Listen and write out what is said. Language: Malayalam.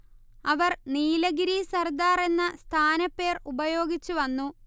അവർ നീലഗിരി സർദാർ എന്ന സ്ഥാനപ്പേർ ഉപയോഗിച്ചു വന്നു